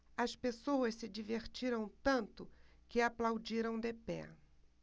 as pessoas se divertiram tanto que aplaudiram de pé